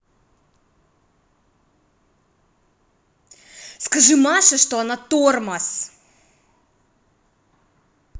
скажи маше что она тормоз